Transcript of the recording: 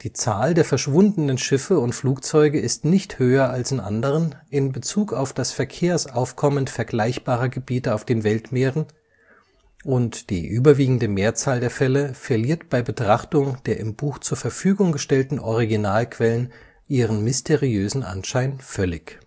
Zahl der verschwundenen Schiffe und Flugzeuge ist nicht höher als in anderen, in Bezug auf das Verkehrsaufkommen vergleichbarer Gebiete auf den Weltmeeren, und die überwiegende Mehrzahl der Fälle verliert bei Betrachtung der im Buch zur Verfügung gestellten Originalquellen ihren mysteriösen Anschein völlig